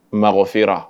Mɔgɔ sera